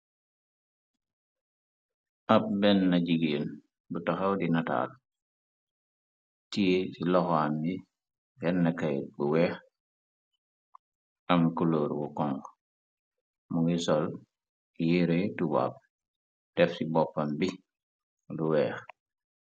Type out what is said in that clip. ab benna jigeen bu taxaw di nataal cii ci loxo am yi yennkay bu weex am culoor wu kong mu ngi sol yeree tuwab def ci boppam bi lu weex